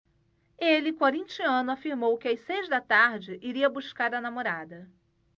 ele corintiano afirmou que às seis da tarde iria buscar a namorada